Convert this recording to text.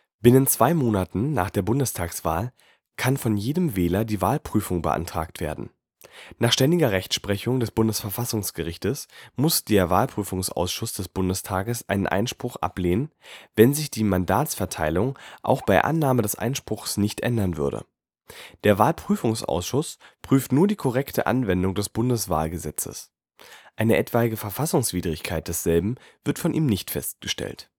Binnen zwei Monaten nach der Bundestagswahl kann von jedem Wähler die Wahlprüfung beantragt werden. Nach ständiger Rechtsprechung des Bundesverfassungsgerichtes muss der Wahlprüfungsausschuss des Bundestages einen Einspruch ablehnen, wenn sich die Mandatsverteilung auch bei Annahme des Einspruches nicht ändern würde. Der Wahlprüfungsausschuss prüft nur die korrekte Anwendung des Bundeswahlgesetzes. Eine etwaige Verfassungswidrigkeit desselben wird von ihm nicht festgestellt